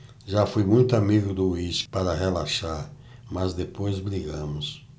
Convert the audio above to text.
já fui muito amigo do uísque para relaxar mas depois brigamos